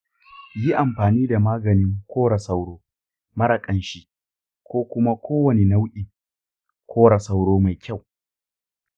yi amfani da maganin kora sauro mara ƙanshi ko kuma kowane nau'in kora sauro mai kyau.